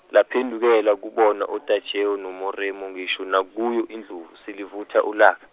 laphendukela kubona oTajewo noMeromo ngisho nakuyo indlovu selivutha ulaka.